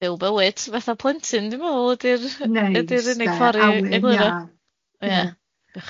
byw bywyd fatha plentyn dwi'n meddwl ydy'r... Neis de... ydyi'r unig ffor i egluro.